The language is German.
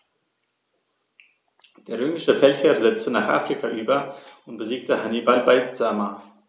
Der römische Feldherr setzte nach Afrika über und besiegte Hannibal bei Zama.